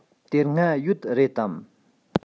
དེ སྔ ཡོད རེད དམ